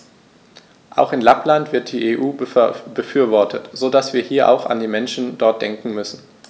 Auch in Lappland wird die EU befürwortet, so dass wir hier auch an die Menschen dort denken müssen.